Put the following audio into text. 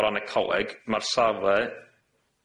O ran y coleg ma'r safle